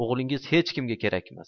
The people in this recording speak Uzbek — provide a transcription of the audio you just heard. o'g'lingiz hech kimga kerakmas